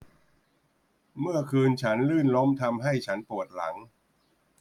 เมื่อคืนฉันลื่นล้มทำให้ฉันปวดหลัง